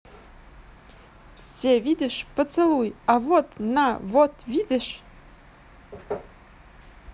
все видишь поцелуй а вот на вот видишь